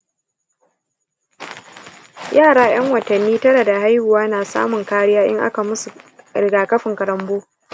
yara yan watanni tara da haihuwa na samun kariya in aka musu rigakafin karonbo